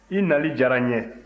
i nali diyara n ye